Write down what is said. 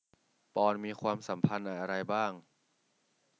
ปอนด์มีความสัมพันธ์อะไรบ้าง